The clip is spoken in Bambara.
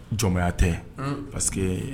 Jɔnmaya tɛ unnn parce que